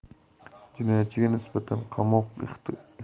jinoyatchiga nisbatan qamoq